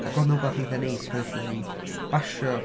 Ac oedd 'na rywbeth eithaf neis pan wnaethon ni basio.